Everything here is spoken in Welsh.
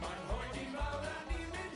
Mae'n nhroed i'n fawr a ni'n mynd...